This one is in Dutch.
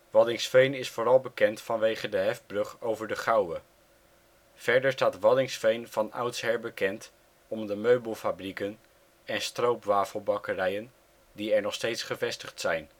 Waddinxveen is vooral bekend vanwege de hefbrug over de Gouwe. Verder staat Waddinxveen van oudsher bekend om de meubelfabrieken en stroopwafelbakkerijen die er nog steeds gevestigd zijn